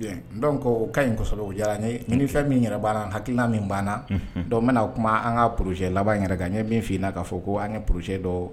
Dɔn ko ka in kɔsɔ o diyara n ye ni fɛn min yɛrɛ banna hakilila min banna n bɛna kuma an ka pjɛ laban in yɛrɛ kan n ɲɛ min f' ii na k'a fɔ ko an ka pjɛ dɔ